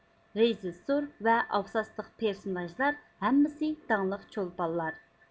رىژىسسور ۋە ئاساسلىق پىرسوناژلار ھەممىسى داڭلىق چولپانلار